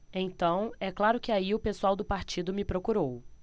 então é claro que aí o pessoal do partido me procurou